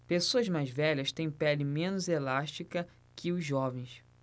pessoas mais velhas têm pele menos elástica que os jovens